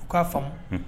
U k'a faamu